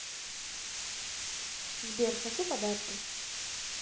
сбер хочу подарки